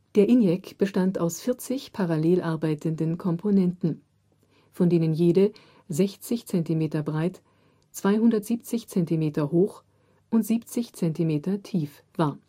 Der ENIAC bestand aus 40 parallel arbeitenden Komponenten, von denen jede 60 cm breit, 270 cm hoch und 70 cm tief war